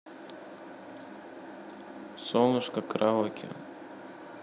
солнышко караоке